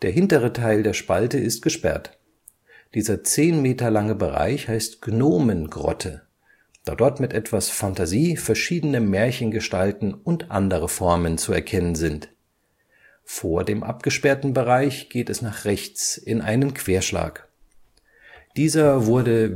hintere Teil der Spalte ist gesperrt. Dieser zehn Meter lange Bereich heißt Gnomengrotte, da dort mit etwas Phantasie verschiedene Märchengestalten und andere Formen zu erkennen sind. Vor dem abgesperrten Bereich geht es nach rechts in einen Querschlag. Dieser wurde